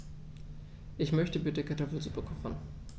Ich möchte bitte Kartoffelsuppe kochen.